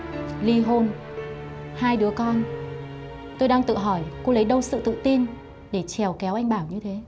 ly hôn hai đứa con tôi đang tự hỏi cô lấy đâu sự tự tin để chèo kéo anh bảo như thế